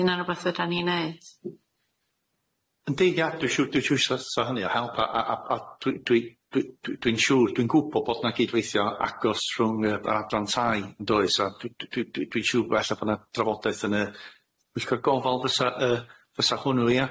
Di hynna'n rwbath fedran ni neud? Yndi ia dwi'n siŵr dwi'n siŵr so so hynny o help a a a a dwi dwi dwi dwi'n siŵr dwi'n gwbo bod na gydweithio agos rhwng yy yr adran tai yndoes a dwi dwi dwi dwi'n siŵr bo' e'lla bo' na drafodaeth yn yy pwyllgo gofal fysa yy fysa hwnnw ia?